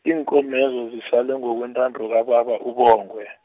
iinkomezo zisale ngokwentando kababa uBongwe.